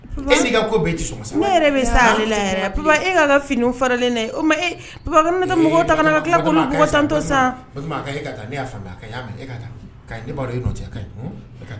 Fini fara ta san